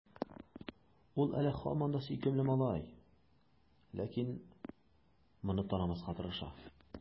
Ул әле һаман да сөйкемле малай, ләкин моны танымаска тырыша.